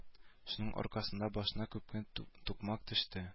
Шуның аркасында башына күпме тукмак төште